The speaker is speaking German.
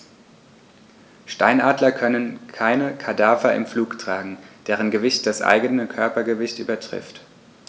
Steinadler können keine Kadaver im Flug tragen, deren Gewicht das eigene Körpergewicht übertrifft.